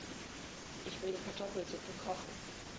Ich will Kartoffelsuppe kochen.